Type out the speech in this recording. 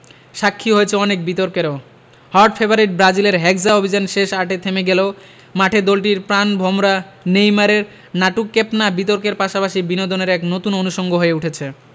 সাক্ষী হয়েছে অনেক বিতর্কেরও হট ফেভারিট ব্রাজিলের হেক্সা অভিযান শেষ আটে থেমে গেলেও মাঠে দলটির প্রাণভোমরা নেইমারের নাটুকেপনা বিতর্কের পাশাপাশি বিনোদনের এক নতুন অনুষঙ্গ হয়ে উঠেছে